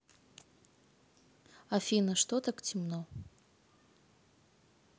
афина что так темно